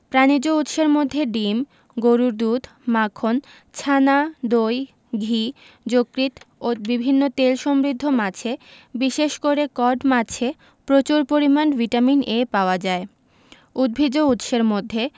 প্রাণিজ উৎসের মধ্যে ডিম গরুর দুধ মাখন ছানা দই ঘি যকৃৎ ও বিভিন্ন তেলসমৃদ্ধ মাছে বিশেষ করে কড মাছে প্রচুর পরিমান ভিটামিন A পাওয়া যায় উদ্ভিজ্জ উৎসের মধ্যে